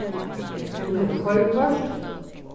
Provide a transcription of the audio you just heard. tú hevur koyrikort